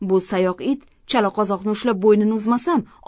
bu sayoq it chala qozoqni ushlab bo'ynini uzmasam